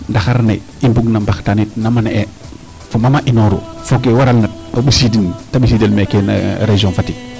ndaxar ne i mbung na mbaxtaanit nama ne'e fo mam a inooru fo kee waral na o mbisiidin te mbisidel meeke no region Fatick